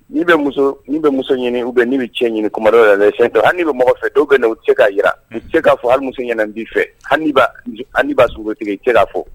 Ni bɛ muso ni bɛ muso ɲini u bɛn ni bɛ cɛ ɲini kumada yɛrɛ fɛntɔ ani bɛ mɔgɔ fɛ dɔw bɛn u cɛ k'a jira u se k'a fɔ ha muso ɲɛna bi fɛ'a s tigɛ cɛ k'a fɔ